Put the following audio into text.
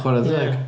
Chwarae teg.